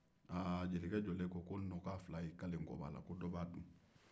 aa jelikɛ jɔlen ko nɔka fila ye i kale koba la ko dɔ bɛ a dun